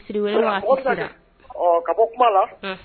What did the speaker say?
Ka bɔ kuma la